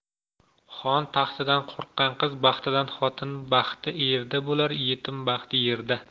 xon taxtidan qo'rqar qiz baxtidan xotin baxti erda bo'lar yetim baxti yerda